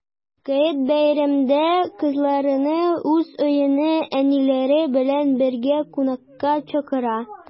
Гает бәйрәмендә кызларны уз өенә әниләре белән бергә кунакка чакыра.